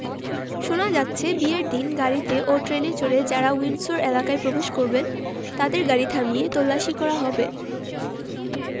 শোনা যাচ্ছে বিয়ের দিন গাড়িতে ও ট্রেনে চড়ে যাঁরা উইন্ডসর এলাকায় প্রবেশ করবেন তাঁদের গাড়ি থামিয়ে তল্লাশি করা হবে